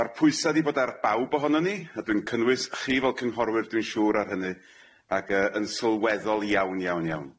Ma'r pwysa 'di bod ar bawb ohonon ni a dwi'n cynnwys chi fel cynghorwyr dwi'n siŵr ar hynny ac yy yn sylweddol iawn iawn iawn.